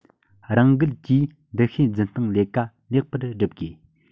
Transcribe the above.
རང འགུལ གྱིས འདུ ཤེས འཛིན སྟངས ལས ཀ ལེགས པར སྒྲུབ དགོས